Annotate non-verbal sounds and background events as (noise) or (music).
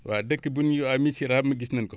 waa dëkk bu nu (hesitation) Missirah mi gis nan ko fa